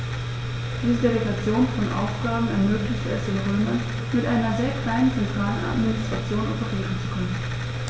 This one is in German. Diese Delegation von Aufgaben ermöglichte es den Römern, mit einer sehr kleinen zentralen Administration operieren zu können.